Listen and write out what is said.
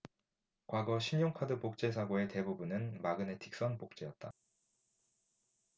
과거 신용카드 복제 사고의 대부분은 마그네틱선 복제였다